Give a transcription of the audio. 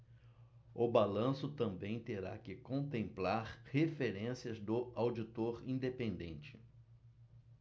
o balanço também terá que contemplar referências do auditor independente